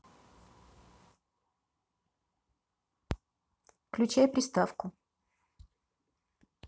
включай приставку